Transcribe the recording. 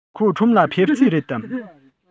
ཁོ ཁྲོམ ལ ཕེབས རྩིས རེད དམ